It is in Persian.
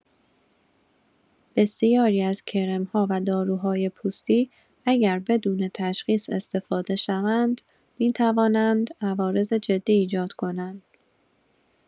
بسیاری از کرم‌ها و داروهای پوستی اگر بدون تشخیص استفاده شوند، می‌توانند عوارض جدی ایجاد کنند.